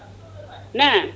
naam